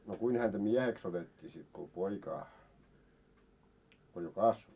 no kuinka häntä mieheksi otettiin sitten kun poikaa kun jo kasvoi